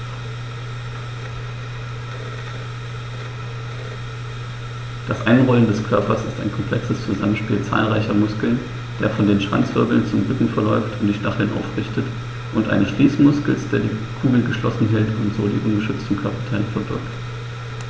Das Einrollen des Körpers ist ein komplexes Zusammenspiel zahlreicher Muskeln, der von den Schwanzwirbeln zum Rücken verläuft und die Stacheln aufrichtet, und eines Schließmuskels, der die Kugel geschlossen hält und so die ungeschützten Körperteile verbirgt.